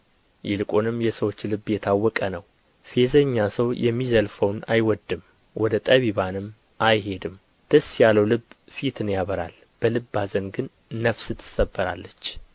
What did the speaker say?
ይልቁንም የሰዎች ልብ የታወቀ ነው ፌዘኛ ሰው የሚዘልፈውን አይወድድም ወደ ጠቢባንም አይሄድም ደስ ያለው ልብ ፊትን ያበራል በልብ ኀዘን ግን ነፍስ ትሰበራለች